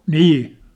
niin